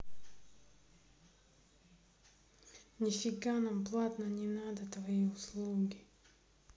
нифига нам платно не надо твои услуги